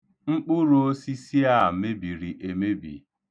Mkpụrụosisi a mebiri emebi.